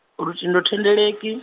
lutendo thendeleki.